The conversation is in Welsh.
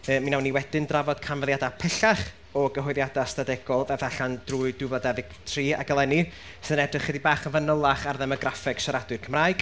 Fe... mi wnawn ni wedyn drafod canfyddiadau pellach o gyhoeddiadau ystadegol ddaeth allan drwy dwy fil a dauddeg tri ac eleni, sydd yn edrych ychydig bach yn fanylach ar ddemograffeg siaradwyr Cymraeg.